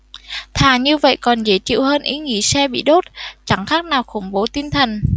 thà như vậy còn dễ chịu hơn ý nghĩ xe bị đốt chẳng khác nào khủng bố tinh thần